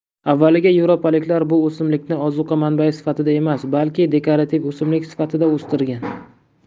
avvaliga yevropaliklar bu o'simlikni ozuqa manbai sifatida emas balki dekorativ o'simlik sifatida o'stirgan